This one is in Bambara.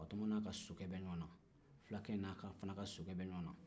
batoma n'a ka sokɛ bɛ ɲɔgɔn na fulakɛ fana n'a ka sokɛ bɛ ɲɔgɔn na